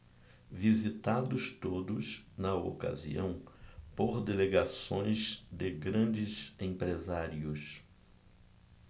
visitados todos na ocasião por delegações de grandes empresários